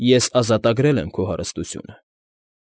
Ես ազատագրել եմ քո հարստությունը։